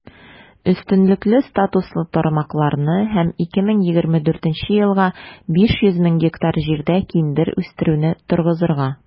Өстенлекле статуслы тармакларны һәм 2024 елга 500 мең гектар җирдә киндер үстерүне торгызырга.